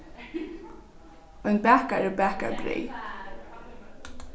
ein bakari bakar breyð